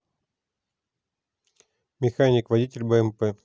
механик водитель бмп